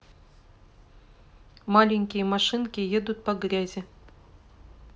маленькие машинки едут по грязи